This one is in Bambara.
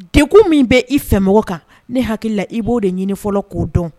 Dekun min bɛ i fɛ mɔgɔ kan ne hakilila i b'o de ɲini fɔlɔ k'o dɔn